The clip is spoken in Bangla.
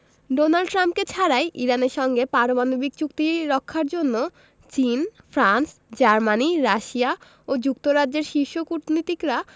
ডোনাল্ড ট্রাম্পকে ছাড়াই ইরানের সঙ্গে পারমাণবিক চুক্তি রক্ষার জন্য চীন ফ্রান্স জার্মানি রাশিয়া ও যুক্তরাজ্যের শীর্ষ কূটনীতিকরা